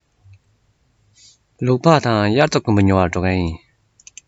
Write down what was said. ལུག པགས དང དབྱར རྩྭ དགུན འབུ ཉོ བར འགྲོ གི ཡིན